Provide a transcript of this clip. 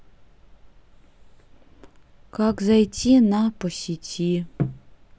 как зайти на по сети